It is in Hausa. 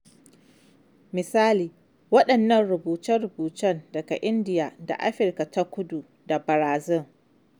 Misali, waɗannan rubuce-rubucen daga India da Afirka ta Kudu da Brazil.